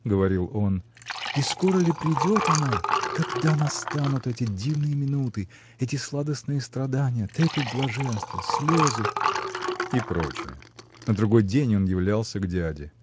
– говорил он, – и скоро ли придет она? когда настанут эти дивные минуты эти сладостные страдания трепет блаженства слезы. – и проч. На другой день он являлся к дяде.